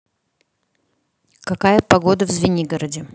какая погода в звенигороде